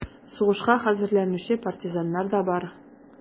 Сугышка хәзерләнүче партизаннар да бар: